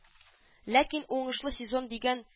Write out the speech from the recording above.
Ләкин уңышлы сезон дигән